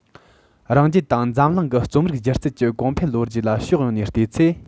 རང རྒྱལ དང འཛམ གླིང གི རྩོམ རིག སྒྱུ རྩལ གྱི གོང འཕེལ ལོ རྒྱུས ལ ཕྱོགས ཡོངས ནས བལྟས ཚེ